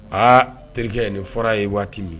Aa terikɛ ye nin fɔra ye waati min